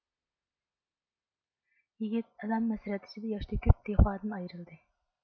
يىگىت ئەلەم ھەسرەت ئىچىدە ياش تۆكۈپ دىخوادىن ئايرىلدى